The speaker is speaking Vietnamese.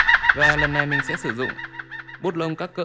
và lần này mình sẽ sử dụng bút lông các cỡ